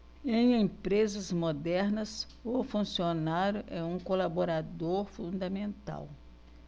em empresas modernas o funcionário é um colaborador fundamental